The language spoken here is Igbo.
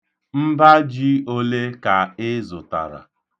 Mba ji ole ka ị zụtara?